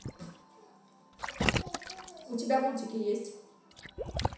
у тебя мультики есть